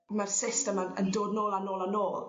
Ma'r cyst yma'n yn dod nôl a nôl a nôl.